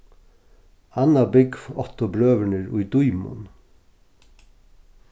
annað búgv áttu brøðurnir í dímun